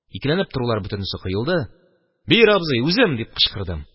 Икеләнеп торулар бөтенесе коелды: «Бир, абый, үзем!» – дип кычкырдым.